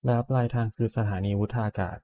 แล้วปลายทางคือสถานีวุฒากาศ